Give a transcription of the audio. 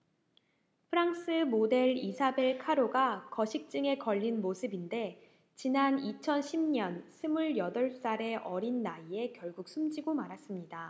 프랑스 모델 이사벨 카로가 거식증에 걸린 모습인데지난 이천 십 년 스물 여덟 살의 어린 나이에 결국 숨지고 말았습니다